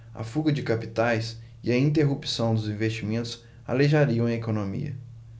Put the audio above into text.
a fuga de capitais e a interrupção dos investimentos aleijariam a economia